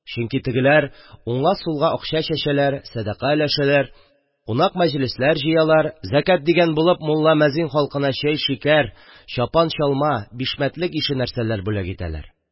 Өнки тегеләр уңга-сулга акча чәчәләр, садака өләшәләр, кунак-мәҗлесләр җыялар, зәкәт дигән булып мулла-мәзин халкына чәй-шикәр, чапан-чалма, бишмәтлек ише нәрсәләр бүләк итәләр.